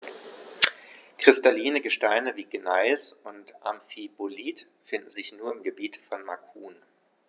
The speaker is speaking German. Kristalline Gesteine wie Gneis oder Amphibolit finden sich nur im Gebiet von Macun.